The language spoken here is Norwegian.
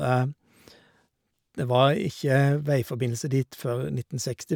Det var ikke veiforbindelse dit før nitten seksti.